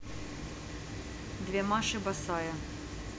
две маши босая